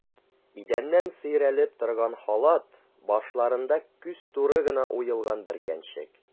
Идәннән сөйрәлеп торган халат, башларында күз туры гына уелган бөркәнчек.